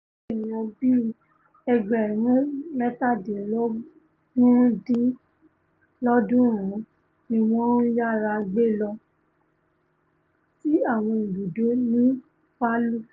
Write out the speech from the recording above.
Àwọn ènìyàn bíi ẹgbẹ̀rún mẹ́tadínlógúndín-lọ́ọ̀dúnrún ni wọ́n yára gbélọ sí àwọn ibùdó ní Palu.